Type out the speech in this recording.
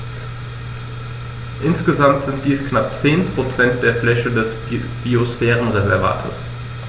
Insgesamt sind dies knapp 10 % der Fläche des Biosphärenreservates.